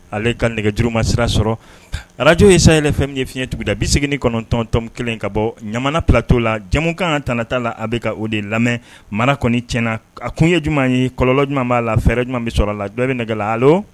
Ale ka nɛgɛjuruma sira sɔrɔ arajo yesay yɛrɛ fɛn fiɲɛɲɛ tugunda bi segin kɔnɔntɔntɔn kelen in ka bɔ ɲamana platɔ la jamukan kan tta la a bɛ ka o de lamɛn mara kɔni tiɲɛna a kun ye ɲuman ye kɔlɔlɔ ɲuman b'a la fɛɛrɛ ɲuman bɛ sɔrɔ la dɔ bɛ nɛgɛ ale